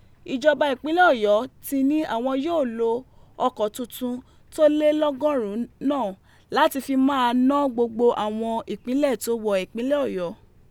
Ijọba ipinlẹ Oyọ ti ni awọn yoo lo ọkọ tuntun to le lọgọrun naa lati fi maa na gbogbo awọn ipinlẹ to wọ ipinlẹ Ọyọ.